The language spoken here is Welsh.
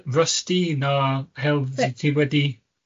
rusty 'na hel- t- ti wedi